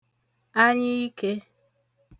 anyiikē